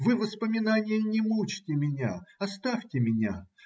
Вы, воспоминания, не мучьте меня, оставьте меня!